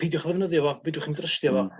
peidiwch ddefnyddio fo fedrwch chi'm trystio fo